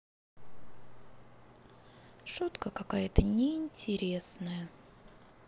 шутка какая то неинтересная